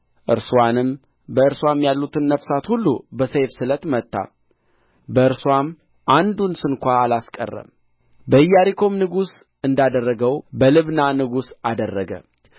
በእርስዋም ያሉትን ነፍሳት ሁሉ በሰይፍ ስለት መታ በእርስዋም አንዱን ስንኳ አላስቀረም በኢያሪኮም ንጉሥ እንዳደረገው በልብና ንጉሥ አደረገ